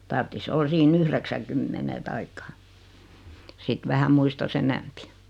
tarvitsisi olla siinä yhdeksänkymmenen tai sitten vähän muistaisi enemmän